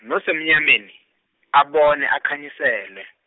nosemnyameni, abone akhanyisele.